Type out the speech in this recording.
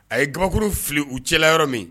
A ye kabakuru fili u cɛla yɔrɔ min